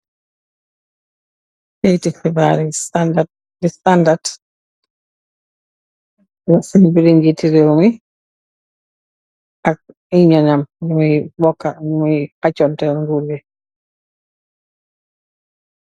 Kayiti xibaar,"The Standard", ñoo wax si mbiri njiiti rew mi, ak ay ñioñam, ñjimuy xancante nguurgi.